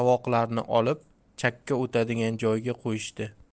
olib chakka o'tadigan joyga qo'yishdi